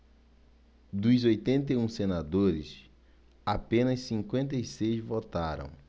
dos oitenta e um senadores apenas cinquenta e seis votaram